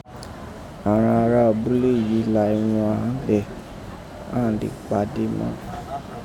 àghan irá abule yii la ẹrun án àn lè pa á dé má.